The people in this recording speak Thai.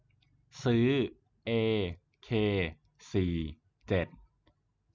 ซื้อเอเคสี่เจ็ด